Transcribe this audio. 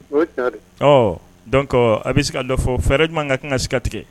Ori dɔn a bɛ se ka dɔ fɔ fɛrɛɛrɛ ɲuman ka kan ka seka tigɛ